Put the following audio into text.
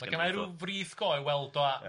ma' gynna i ryw frith go i weld o a- ia.